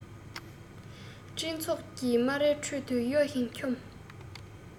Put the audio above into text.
སྤྲིན ཚོགས ཀྱི སྨ རའི ཁྲོད དུ གཡོ ཞིང འཁྱོམ